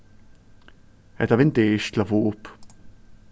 hetta vindeygað er ikki til at fáa upp